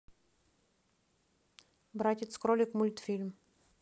братец кролик мультфильм